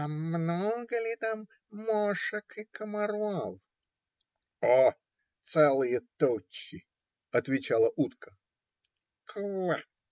- А много ли там мошек и комаров? - О! целые тучи! - отвечала утка. - Ква!